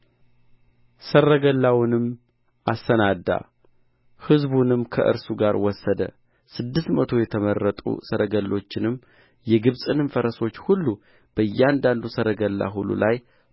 ሰረገላውንም አሰናዳ ሕዝቡንም ከእርሱ ጋር ወሰደ ስድስት መቶ የተመረጡ ሰረገሎችንም የግብፅንም ፈረሶች ሁሉ በእያንዳንዱም ሰረገላ ሁሉ ላይ